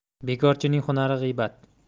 bekorchining hunari g'iybat